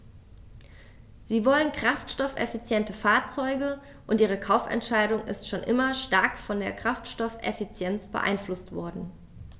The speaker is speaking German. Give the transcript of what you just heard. Sie wollen kraftstoffeffiziente Fahrzeuge, und ihre Kaufentscheidung ist schon immer stark von der Kraftstoffeffizienz beeinflusst worden.